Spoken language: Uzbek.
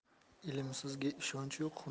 ilmsizga ishonch yo'q